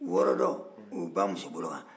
wɔɔrɔ dɔ o bɛ ba musobolo kan